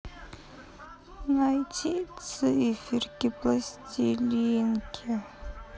найти циферки пластилинки